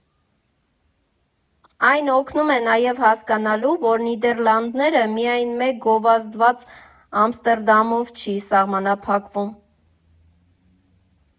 Այն օգնում է նաև հասկանալու, որ Նիդեռլանդները միայն մեկ գովազդված Ամստերդամով չի սահմանափակվում։